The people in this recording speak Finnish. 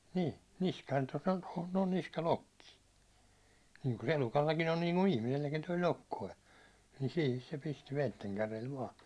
niin niskaan tuossa on tuohon noin niskalokki niin kuin se elukallakin on niin kuin ihmiselläkin tuo lokkonen niin siihen se pisti veitsenkärjellä vain